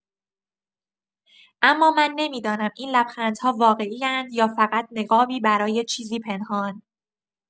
اما من نمی‌دانم این لبخندها واقعی‌اند یا فقط نقابی برای چیزی پنهان.